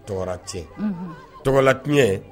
Tɔgɔ cɛ tɔgɔla tiɲɛ